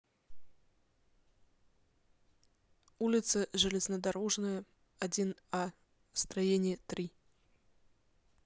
улица железнодорожная один а строение три